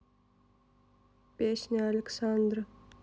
песня александра